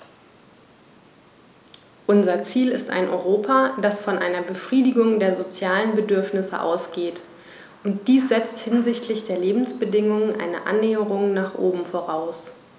Unser Ziel ist ein Europa, das von einer Befriedigung der sozialen Bedürfnisse ausgeht, und dies setzt hinsichtlich der Lebensbedingungen eine Annäherung nach oben voraus.